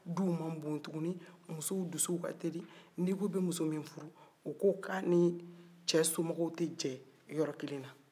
duw man bon tuguni musow dusuw ka teli n'i ko e bɛ muso min furu o ko k'a ni cɛ somɔgɔw tɛ jɛ yɔrɔ kelen na